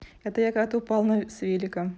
это я когда то упал велика